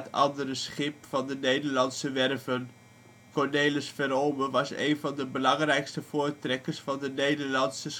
andere schip van de Nederlandse werven. Cornelis Verolme was een van de belangrijkste voortrekkers van de Nederlandse